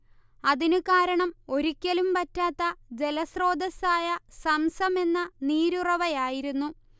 അതിനു കാരണം ഒരിക്കലും വറ്റാത്ത ജലസ്രോതസ്സായ സംസം എന്ന നീരുറവയായിരുന്നു